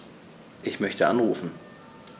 Ich möchte anrufen.